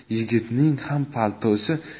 yigitning ham paltosi